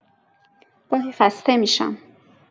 گاهی خسته می‌شم.